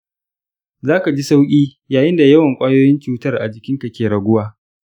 za ka ji sauƙi yayin da yawan kwayoyin cutar a jikinka ke raguwa.